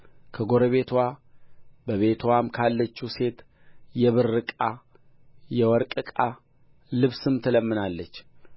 ከጎረቤትዋ በቤትዋም ካለችው ሴት የብር ዕቃ የወርቅ እቃ ልብስም ትለምናለች